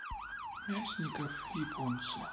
мясников японцы